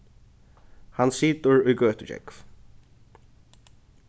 hann situr í gøtugjógv